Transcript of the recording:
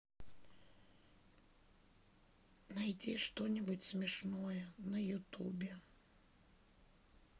найди что нибудь смешное на ютубе